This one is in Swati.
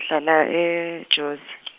ngihlala eJozi .